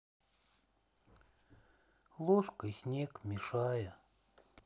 ложкой снег мешая